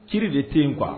Ci de tɛ yen kuwa